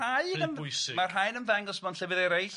Ma' rhai yn ma'r rhai yn ymddangos mewn llefydd eraill.